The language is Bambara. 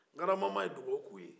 garaba mama ye duwawu k'u ye